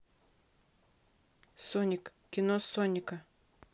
соник кино соника